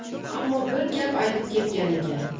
ammo bir gap aytib ketgan ekan